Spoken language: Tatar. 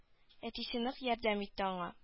Әтисе нык ярдәм итте аңа